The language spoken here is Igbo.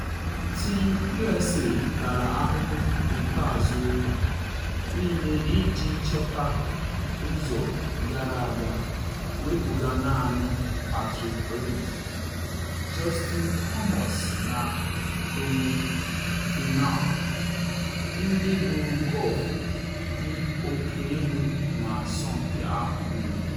Team USA tara ahụhụ n’izu ụka niile iji chọta ụzọ gara aga wepuga naanị Patrick Reed, Justin Thomas na Tony Finau, ndị gwuru gọlfụ dị oke elu na asọmpi ahụ niile.